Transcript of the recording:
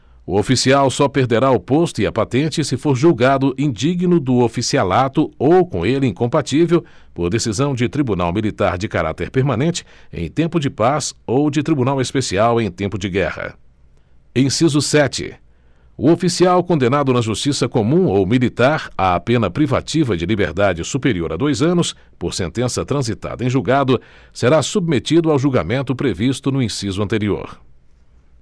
o oficial só perderá o posto e a patente se for julgado indigno do oficialato ou com ele incompatível por decisão de tribunal militar de caráter permanente em tempo de paz ou de tribunal especial em tempo de guerra inciso sete o oficial condenado na justiça comum ou militar a pena privativa de liberdade superior a dois anos por sentença transitada em julgado será submetido ao julgamento previsto no inciso anterior